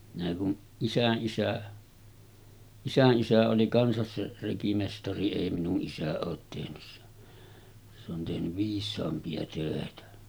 minä kun isänisä isänisä oli kanssa se rekimestari ei minun isä ole tehnyt se se on tehnyt viisaampia töitä